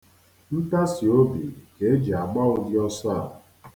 Ntasiobi ka e ji agba ụdị ọsọ a.